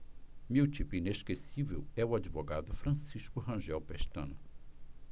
meu tipo inesquecível é o advogado francisco rangel pestana